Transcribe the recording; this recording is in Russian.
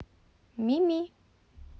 ми ми